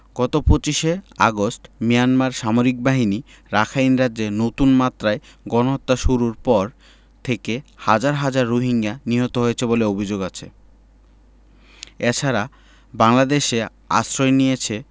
গত ২৫ August Myanmar সামরিক বাহিনী রাখাইন রাজ্যে নতুন মাত্রায় গণহত্যা শুরুর পর থেকে হাজার হাজার রোহিঙ্গা নিহত হয়েছে বলে অভিযোগ আছে এ ছাড়া বাংলাদেশে আশ্রয় নিয়েছে